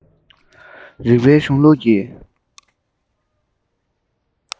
རིག པའི གཞུང ལུགས ཀྱི